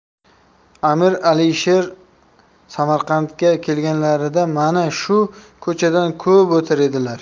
amir alisher samarqandga kelganlarida mana shu ko'chadan ko'p o'tar edilar